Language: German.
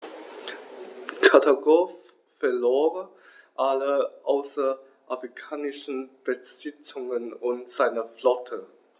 Karthago verlor alle außerafrikanischen Besitzungen und seine Flotte.